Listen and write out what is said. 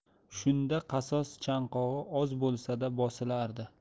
shunda qasos chanqog'i oz bo'lsa da bosilardi